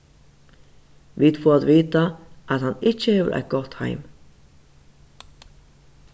vit fáa at vita at hann ikki hevur eitt gott heim